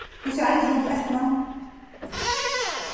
hvussu eitur hon til eftirnavn